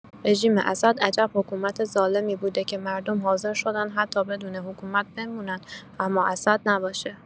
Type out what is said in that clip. رژیم اسد عجب حکومت ظالمی بوده که مردم حاضر شدن حتی بدون حکومت بمونن اما اسد نباشه